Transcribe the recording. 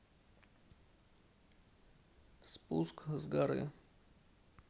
спуск с горы